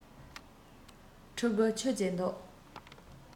ཕྲུ གུ ཁྱུ གཅིག འདུག